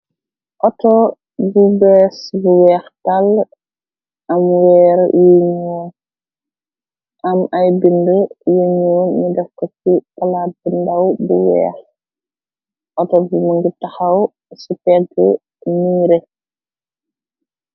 outo bu bees bu weex tàll am weer yuñu am ay bind yuñu ni def ko ci palaat bindaw bu weex oto bu më ngi taxaw ci pegg niire.